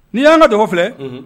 N'i yan ka dɔgɔ filɛ, unhun